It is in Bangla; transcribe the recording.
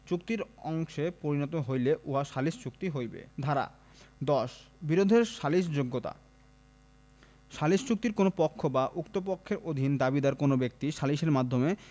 চুক্তির অংশে পরিণত হইলে উহা সালিস চুক্তি হইবে ধারা ১০ বিরোধের সালিসযোগ্যতাঃ সালিস চুক্তির কোন পক্ষ বা উক্ত পক্ষের অধীন দাবীদার কোন ব্যক্তি সালিসের মাধ্যমে